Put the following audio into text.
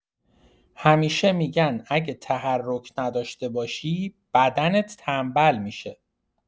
همیشه می‌گن اگه تحرک نداشته باشی، بدنت تنبل می‌شه.